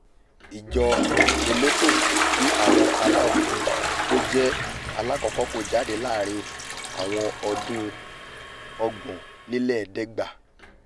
Ìjọ Elétò ti àwọn aláwọ̀ funfun tójẹ́ aláàkọ́kọ́ kó jáde làárín àwọn ọdún 1930.